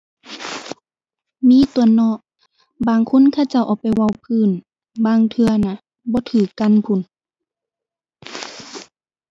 มีตั่วเนาะ บางคนเขาเจ้าเอาไปเว้าพื้น บางเทื่อน่ะบ่ถูกกันพู้น